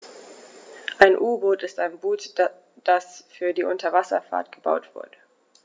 Ein U-Boot ist ein Boot, das für die Unterwasserfahrt gebaut wurde.